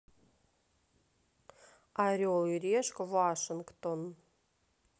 орел и решка вашингтон